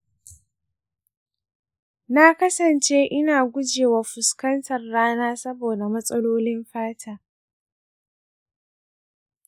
na kasance ina guje wa fuskantar rana saboda matsalolin fata.